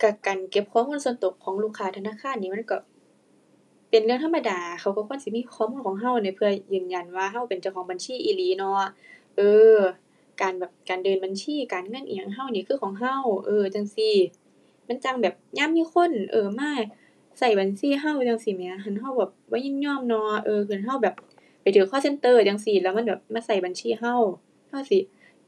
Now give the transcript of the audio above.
ก็การเก็บข้อมูลส่วนก็ของลูกค้าธนาคารนี่มันก็เป็นเรื่องธรรมดา เขาก็ควรสิมีข้อมูลของก็นี่เพื่อยืนยันว่าก็เป็นเจ้าของบัญชีอีหลีเนาะ เออ การแบบ การเดินบัญชีการเงินอิหยังก็นี่คือของก็ เออ จั่งซี้ มันจั่งแบบยามมีคน เออ มาก็บัญชีก็จั่งซี้แหม คันก็แบบบ่ยินยอมเนาะ เออ คันก็แบบไปเจอ call center จั่งซี้ แล้วมันแบบมาก็บัญชีก็ ก็สิ